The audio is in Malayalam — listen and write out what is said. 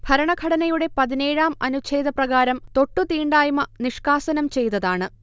ഭരണഘടനയുടെ പതിനേഴാം അനുഛേദപ്രകാരം തൊട്ടുതീണ്ടായ്മ നിഷ്കാസനം ചെയ്തതാണ്